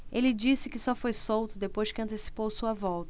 ele disse que só foi solto depois que antecipou sua volta